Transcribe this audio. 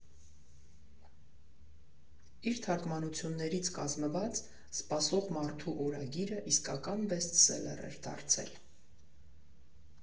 Իր թարգմանություններից կազմված «Սպասող մարդու օրագիրը» իսկական բեսթսելեր էր դարձել։